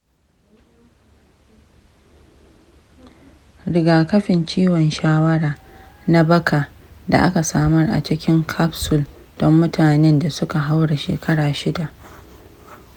rigakafin ciwon shawara na baka da aka samar a cikin capsule don mutanen da suka haura shekara shida.